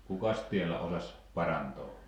kukas täällä osasi parantaa